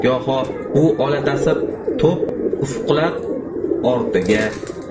goho bu olatasir to'p ufqlar ortiga